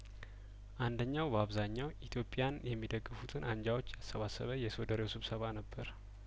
አንደኛው በአብዛኛው ኢትዮጵያን የሚደግፉትን አንጃዎች ያሰባሰበው የሶደሬው ስብሰባ ነበር